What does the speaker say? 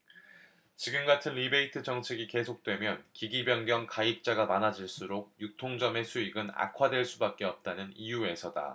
지금같은 리베이트 정책이 계속되면 기기변경 가입자가 많아질수록 유통점의 수익은 악화될 수밖에 없다는 이유에서다